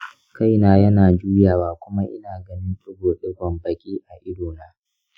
kai na yana juyawa kuma ina ganin digo-digon baki a idona.